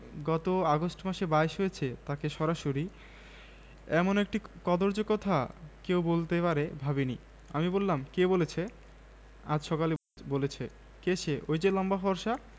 হাওয়া আর সূর্য রাজি হয় তাদের মধ্যে যে পথিকে গায়ের চাদর খোলাতে পারবে তাকেই বেশি শক্তিমান হিসেবে ধার্য করা হবে এরপর উত্তর হাওয়া তার সব শক্তি দিয়ে বইতে শুরু করে কিন্তু সে যতই জোড়ে বয় পথিক তার চাদর